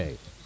xey